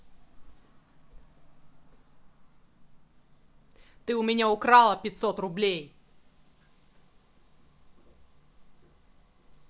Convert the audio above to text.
ты у меня украла пятьсот рублей